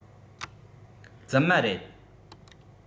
རྫུན མ རེད